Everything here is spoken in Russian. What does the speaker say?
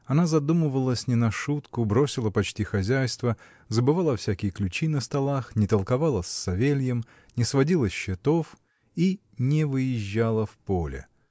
Она задумывалась не на шутку, бросила почти хозяйство, забывала всякие ключи на столах, не толковала с Савельем, не сводила счетов и не выезжала в поле.